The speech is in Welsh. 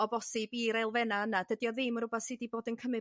o bosib i'r elfennau yna dydi o ddim yn r'wbath su' 'di bod yn cymud